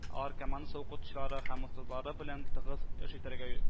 Алар командасы – укытучылары һәм остазлары белән тыгыз эш итәргә